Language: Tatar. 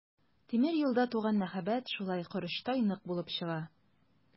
Тимер юлда туган мәхәббәт шулай корычтай нык булып чыга.